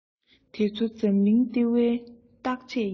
དེ ཚོ འཛམ གླིང ལྟེ བའི བརྟག དཔྱད ཡིན